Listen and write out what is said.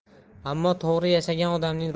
ammo to'g'ri yashagan odamning